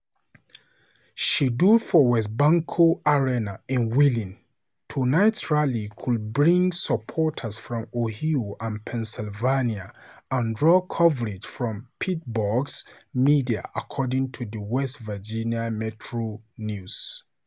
Scheduled for Wesbanco Arena in Wheeling, tonight's rally could bring supporters from "Ohio and Pennsylvania and draw coverage from the Pittsburgh media," according to the West Virginia Metro News.